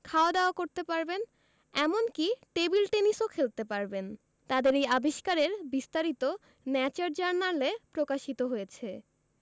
খাওয়া দাওয়া করতে পারবেন এমনকি টেবিল টেনিসও খেলতে পারবেন তাদের এই আবিষ্কারের বিস্তারিত ন্যাচার জার্নালে প্রকাশিত হয়েছে